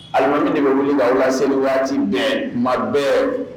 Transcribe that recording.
Alimami de bɛ wili k'aw laseli waati bɛɛ! kuma bɛɛ!